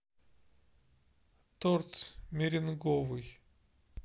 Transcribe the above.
торт меренговый